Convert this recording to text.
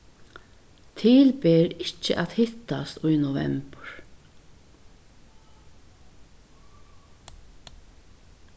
til ber ikki at hittast í novembur